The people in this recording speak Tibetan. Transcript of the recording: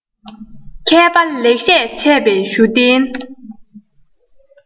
མཁས པ ལེགས བཤད འཆད པའི ཞུ རྟེན